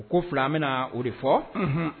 U ko fila an bɛ o de fɔ